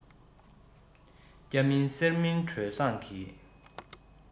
སྐྱ མིན སེར མིན སྒྲོལ བཟང གིས